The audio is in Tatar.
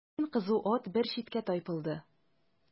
Ләкин кызу ат бер читкә тайпылды.